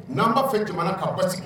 N'an' fɛ jamana k'aw ba sigi